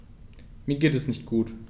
Mir geht es nicht gut.